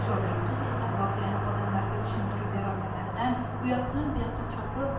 sho'rlik qiz esa voqeani odamlarga tushuntirib beraolmaganidan uyoq bu yoqqa chopib